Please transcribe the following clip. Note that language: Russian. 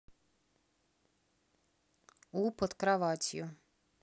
у под кроватью